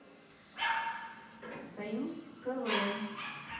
союз квн